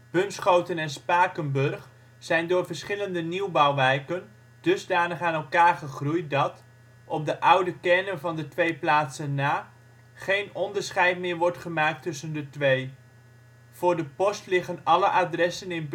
Bunschoten en Spakenburg zijn door verschillende nieuwbouwwijken dusdanig aan elkaar gegroeid dat, op de oude kernen van de twee plaatsen na, geen onderscheid meer wordt gemaakt tussen de twee. Voor de post liggen alle adressen in